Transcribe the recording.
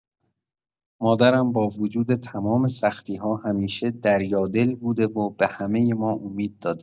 مادرم با وجود تمام سختی‌ها همیشه دریادل بوده و به همه ما امید داده.